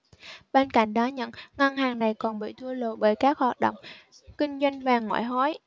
bên cạnh đó những ngân hàng này còn bị thua lỗ bởi các hoạt động kinh doanh vàng ngoại hối